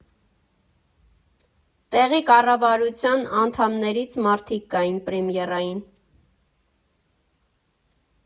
Տեղի կառավարության անդամներից մարդիկ կային պրեմիերային։